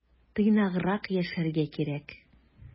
Тыйнаграк яшәргә кирәк.